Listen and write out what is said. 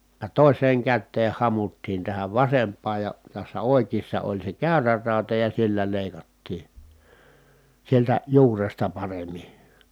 ja toiseen käteen hamuttiin tähän vasempaan ja tässä oikeassa oli se käyrä rauta ja sillä leikattiin sieltä juuresta paremmin